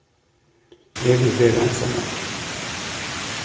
eg vil vera einsamallur